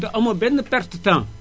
te amoo benn perte temps